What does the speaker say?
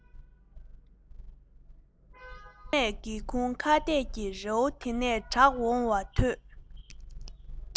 སྒོ ནས སྒེའུ ཁུང ཁ གཏད ཀྱི རི བོ དེ ནས གྲགས འོང བ ཐོས